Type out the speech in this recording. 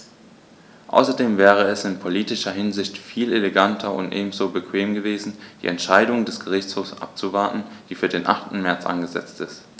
Außerdem wäre es in politischer Hinsicht viel eleganter und ebenso bequem gewesen, die Entscheidung des Gerichtshofs abzuwarten, die für den 8. März angesetzt ist.